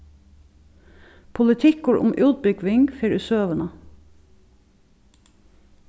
politikkur um útbúgving fer í søguna